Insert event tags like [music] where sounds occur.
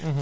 [hesitation] [hesitation]